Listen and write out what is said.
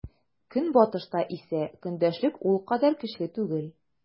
Көнбатышта исә көндәшлек ул кадәр көчле түгел.